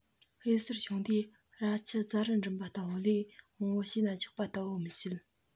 གཡུལ སར མཆོང དུས ར ཁྱུ རྫ རི འགྲིམ པ ལྟ བུ ལས བོང བུ བྱེ ལ རྒྱག པ ལྟ བུ མི བྱེད